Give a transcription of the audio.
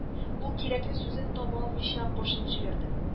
Ул кирәкле сүзен таба алмыйча кашын җыерды